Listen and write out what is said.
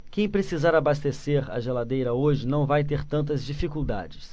quem precisar abastecer a geladeira hoje não vai ter tantas dificuldades